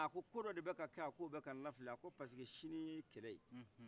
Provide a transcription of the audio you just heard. a ko kodɔ de bɛ ka kɛ o de bɛ kan lafili ko pasique sini ye kɛlɛye